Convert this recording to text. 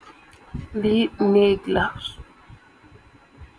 Li neeg la .